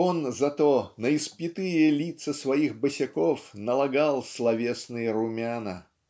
он зато на испитые лица своих босяков налагал словесные румяна.